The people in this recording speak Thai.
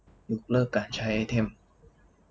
ยกเลิกการใช้ไอเทม